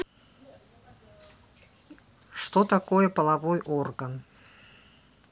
что такое половой орган